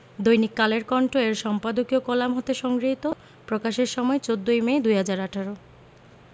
দৈনিক কালের কণ্ঠ এর সম্পাদকীয় কলাম হতে সংগৃহীত প্রকাশের সময় ১৪ ই মে ২০১৮